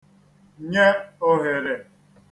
nye òhèrè